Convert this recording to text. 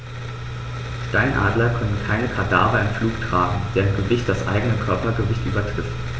Steinadler können keine Kadaver im Flug tragen, deren Gewicht das eigene Körpergewicht übertrifft.